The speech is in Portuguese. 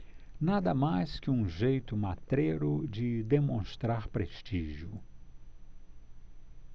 nada mais que um jeito matreiro de demonstrar prestígio